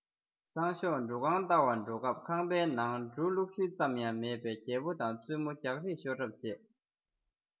སང ཞོགས འབྲུ ཁང བལྟ བར འགྲོ སྐབས ཁང པའི ནང འབྲུ བླུགས ཤུལ ཙམ ཡང མེད པས རྒྱལ པོ དང བཙུན མོ རྒྱག རེས ཤོར གྲབས བྱས